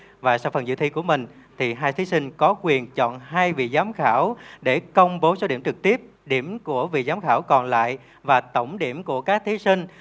và sau phần dự thi của mình thì hai thí sinh có quyền chọn hai vị giám khảo để công bố số điểm trực tiếp điểm của vị giám khảo còn lại và tổng điểm của các thí sinh